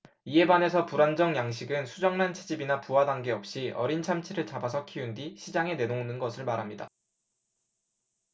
이에 반해서 불안정 양식은 수정란 채집이나 부화 단계 없이 어린 참치를 잡아서 키운 뒤 시장에 내놓는 것을 말합니다